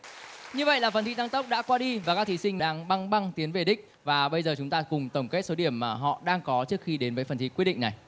như vậy là phần thi tăng tốc đã qua đi và các thí sinh đang băng băng tiến về đích và bây giờ chúng ta cùng tổng kết số điểm mà họ đang có trước khi đến với phần thi quyết định này